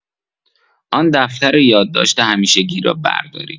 آن دفتر یادداشت همیشگی را بردارید.